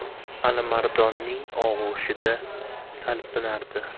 alimardonning og'ushida talpinardi